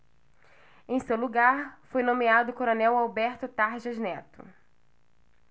em seu lugar foi nomeado o coronel alberto tarjas neto